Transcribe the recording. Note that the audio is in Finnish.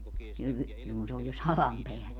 - niin kun se on jo sadan päällä